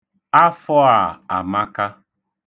Afọ a amaka.